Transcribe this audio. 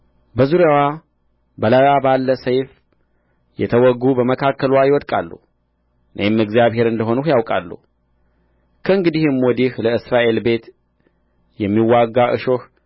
በዙሪያዋ በላይዋ ባለ ሰይፍ የተወጉ በመካከልዋ ይወድቃሉ እኔም እግዚአብሔር እንደ ሆንሁ ያውቃሉ ከእንግዲህም ወዲያ ለእስራኤል ቤት የሚወጋ እሾህ